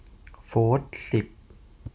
โฟธสิบ